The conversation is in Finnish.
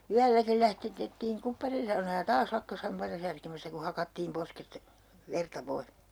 yölläkin lähdetettiin kupparinsaunaan ja taas lakkasi hampaita särkemästä kun hakattiin posket verta pois